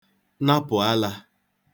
napụ̀ alā